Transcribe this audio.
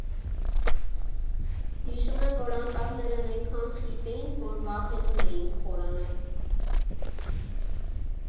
Հիշում եմ, որ անտառներն էնքան խիտ էին, որ վախենում էինք խորանալ։